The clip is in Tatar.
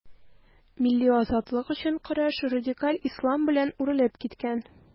Милли азатлык өчен көрәш радикаль ислам белән үрелеп киткән.